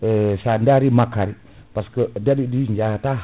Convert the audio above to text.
sa darri makkari par ce que damiɗi jaahata